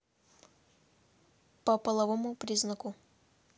по половому признаку